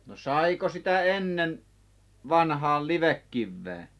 no saiko sitä ennen vanhaan livekiveä